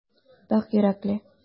Пакь йөрәкле.